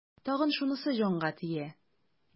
Тагын шунысы җанга тия.